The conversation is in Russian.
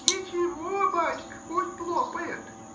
— Ничего, бачка, пусть лопает.